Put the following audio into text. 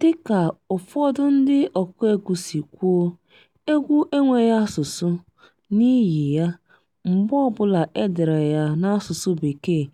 Dịka ụfọdụ ndị ọkụegwú si kwuo, egwú enweghị asụsụ, n’ihi ya, mgbe ọbụla e dere ya n’asụsụ Bekee,